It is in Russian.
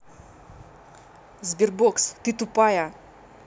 sberbox ты тупая